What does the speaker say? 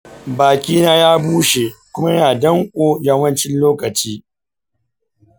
baki na ya bushe kuma yana danko yawancin lokaci.